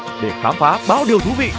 để khám phá bao điều thú vị